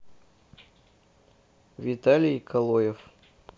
виталий калоев